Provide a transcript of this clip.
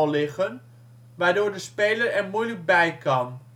liggen, waardoor de speler er moeilijk bij kan